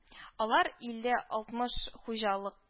Алар илле-алтмыш хуҗалык